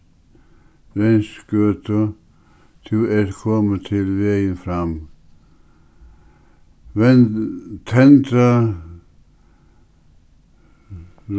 reynsgøtu tú ert komin til vegin fram tendra